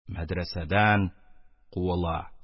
Мәдрәсәдән куыла.